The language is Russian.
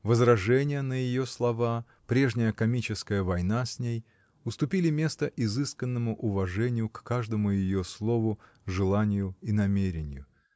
Возражения на ее слова, прежняя комическая война с ней — уступили место изысканному уважению к каждому ее слову, желанию и намерению.